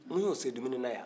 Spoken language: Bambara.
mun y'o se dumini na yan